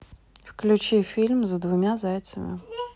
включи фильм за двумя зайцами